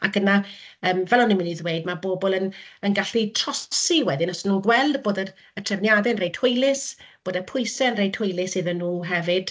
Ac yna, yym fel o'n i'n mynd i ddweud, ma' bobl yn gallu trosi wedyn os ma'n nhw'n gweld bod y y trefniadau'n reit hwylus, bod y pwysau'n reit hwylus iddyn nhw hefyd,